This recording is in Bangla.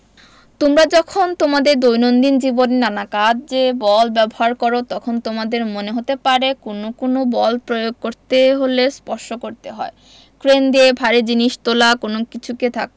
তোমরা যখন তোমাদের দৈনন্দিন জীবনে নানা কাজে বল ব্যবহার করো তখন তোমাদের মনে হতে পারে কোনো কোনো বল প্রয়োগ করতে হলে স্পর্শ করতে হয় ক্রেন দিয়ে ভারী জিনিস তোলা কোনো কিছুকে ধাক্কা